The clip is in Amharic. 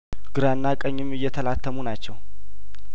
ግራና ቀኝም እየተላተሙ ናቸው